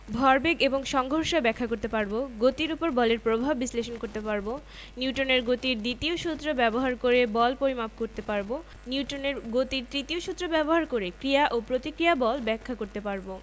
ভরবেগ এবং সংঘর্ষ ব্যাখ্যা করতে পারব গতির উপর বলের প্রভাব বিশ্লেষণ করতে পারব নিউটনের গতির দ্বিতীয় সূত্র ব্যবহার করে বল পরিমাপ করতে পারব নিউটনের গতির তৃতীয় সূত্র ব্যবহার করে ক্রিয়া ও প্রতিক্রিয়া বল ব্যাখ্যা করতে পারব